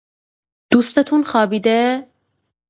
دوستتون خوابیده؟